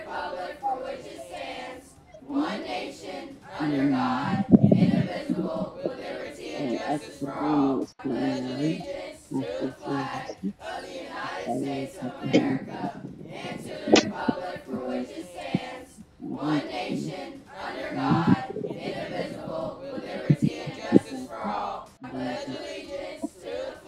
Waxa ay muuqdaan niman iyo maamooyin ku fadhiyo kuraas waxa ayna ku jiraan shir waxay dhageysanayaan qof ka hadlaya